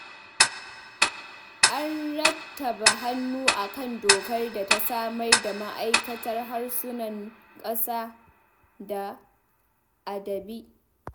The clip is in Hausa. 'An rattaba hannu a kan dokar da ta samar da Ma'aikatar Harsunan ƙasa da Adabi''.